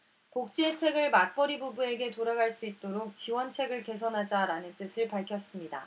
복지혜택을 맞벌이 부부에게 돌아갈 수 있도록 지원책을 개선하자 라는 뜻을 밝혔습니다